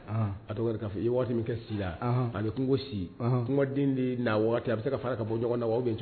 A i min kɛ la a kungo ko si kuma di di'a waati a bɛ se ka fara ka bɔ ɲɔgɔn na bɛ